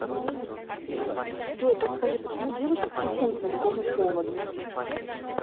джой подскажи почему девушка психует по любому поводу